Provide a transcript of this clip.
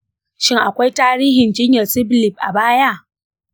shin akwai tarihin jinyar syphilis a baya?